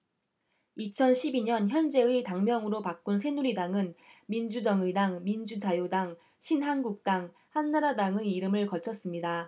이천 십 이 년 현재의 당명으로 바꾼 새누리당은 민주정의당 민주자유당 신한국당 한나라당의 이름을 거쳤습니다